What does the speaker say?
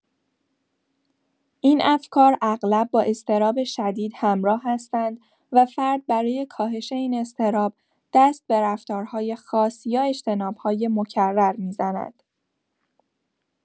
این افکار اغلب با اضطراب شدید همراه هستند و فرد برای کاهش این اضطراب، دست به رفتارهای خاص یا اجتناب‌های مکرر می‌زند.